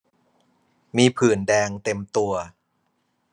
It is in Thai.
มีผื่นแดงเต็มตัว